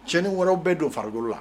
Cɛnin wɔɔrɔ bɛ don farikolobolo wa